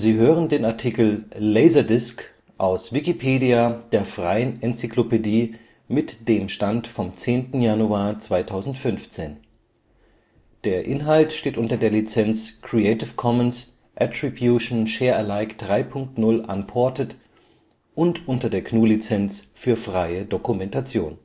hören den Artikel Laserdisc, aus Wikipedia, der freien Enzyklopädie. Mit dem Stand vom Der Inhalt steht unter der Lizenz Creative Commons Attribution Share Alike 3 Punkt 0 Unported und unter der GNU Lizenz für freie Dokumentation